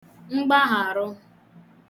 mgbaghàrụ